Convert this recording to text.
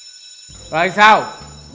rồi sao